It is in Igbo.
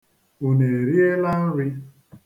Unu eriela nri?